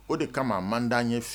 O de kama a man dan ye